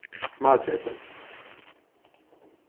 smágenta